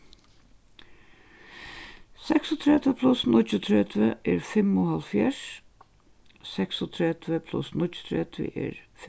seksogtretivu pluss níggjuogtretivu er fimmoghálvfjerðs seksogtretivu pluss níggjuogtretivu er